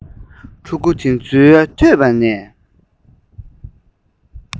ཕྲུ གུ དེ ཚོའི ཐོད པ ནས